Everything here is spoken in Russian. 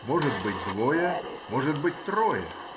— может быть двое, может быть трое?